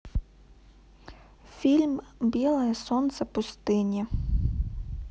фильм белое солнце пустыни